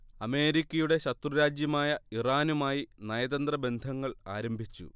അമേരിക്കയുടെ ശത്രുരാജ്യമായ ഇറാനുമായി നയതന്ത്ര ബന്ധങ്ങൾ ആരംഭിച്ചു